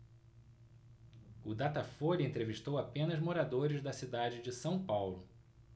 o datafolha entrevistou apenas moradores da cidade de são paulo